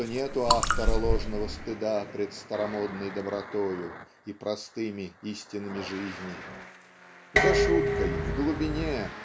что нет у автора ложного стыда прел старомодной добротою и простыми истинами жизни за шуткой в глубине